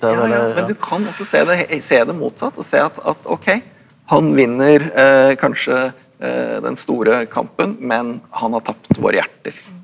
ja ja men du kan også se det se det motsatt og se at at ok han vinner kanskje den store kampen men han har tapt våre hjerter.